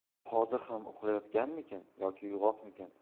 u hozir ham uxlayotganmikin yoki uyg'oqmikin